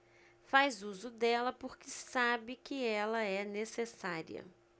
faz uso dela porque sabe que ela é necessária